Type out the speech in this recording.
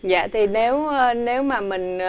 dạ thì nếu á nếu mà mình